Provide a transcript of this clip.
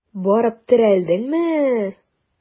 Барып терәлдеңме?